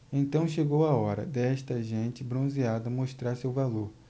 então chegou a hora desta gente bronzeada mostrar seu valor